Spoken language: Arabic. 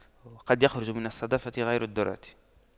قد يخرج من الصدفة غير الدُّرَّة